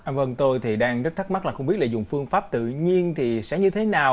à vâng tôi thì đang rất thắc mắc là không biết là dùng phương pháp tự nhiên thì sẽ như thế nào